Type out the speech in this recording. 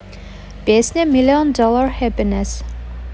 песня million dollar happiness